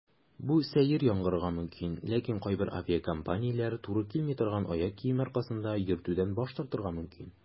Бу сәер яңгырарга мөмкин, ләкин кайбер авиакомпанияләр туры килми торган аяк киеме аркасында йөртүдән баш тартырга мөмкин.